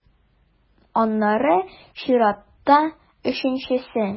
Аннары чиратта - өченчесе.